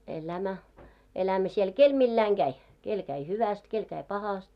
elämä elämä siellä kenellä milläkin lailla kävi kenellä kävi hyvästi kenellä kävi pahasti